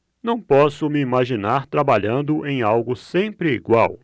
não posso me imaginar trabalhando em algo sempre igual